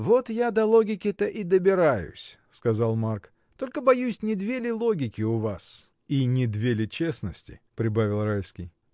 — Вот я до логики-то и добираюсь, — сказал Марк, — только боюсь: не две ли логики у нас?. — И не две ли честности? — прибавил Райский.